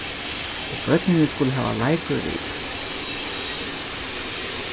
og børnini skulu hava leikur við